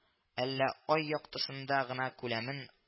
Әллә ай яктысында гына күләмен